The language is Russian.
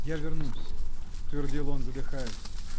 я вернусь, -- твердил он задыхаясь.